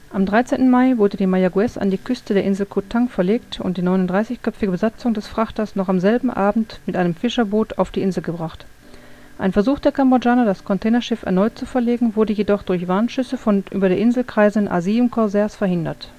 Am 13. Mai wurde die Mayaguez an die Küste der Insel Koh Tang verlegt und die 39-köpfige Besatzung des Frachters noch am selben Abend mit einem Fischerboot auf die Insel gebracht. Ein Versuch der Kambodschaner, das Containerschiff erneut zu verlegen, wurde jedoch durch Warnschüsse von über der Insel kreisenden A-7 Corsairs verhindert